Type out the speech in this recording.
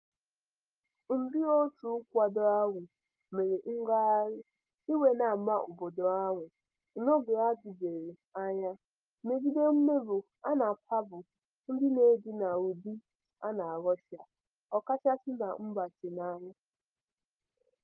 Ụlọọrụ redio ahụ kpọrọ ha òkù ka a gbaa ha ajụjụọnụ gbasara ngagharị iwe ha na ahụmịhe ha nwere ịbụ ndị na-edina ụdị ha n'ihu ọha na mpaghara Russia.